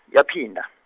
yaphinda.